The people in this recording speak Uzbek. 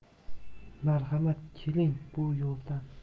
marhamat keling bu yo'ldan